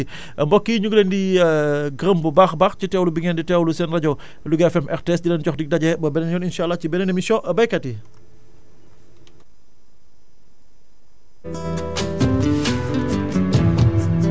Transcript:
di waajal tamit déwén yëpp nag dañuy continué di gunge béykat yi mbokk yi ñu ngi leen di gërëm bu baax a baax ci teewlu bi ngeen di teewlu seen rajo Louga FM RTS di leen jox dig daje ba beneen yoon incha allah ci beneen émission béykat yi